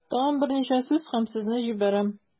Тагын берничә сүз һәм сезне җибәрәм.